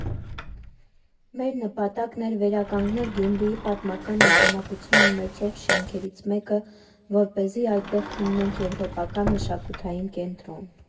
Մեր նպատակն էր վերականգնել Գյումրիի պատմական նշանակություն ունեցող շենքերից մեկը, որպեսզի այդտեղ հիմնենք եվրոպական մշակութային կենտրոն։